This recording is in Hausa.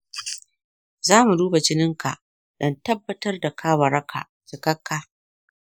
za mu duba jininka don tabbatar da ka waraka cikakka.